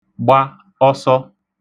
gba ọsọ